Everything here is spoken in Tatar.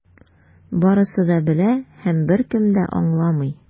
Барысы да белә - һәм беркем дә аңламый.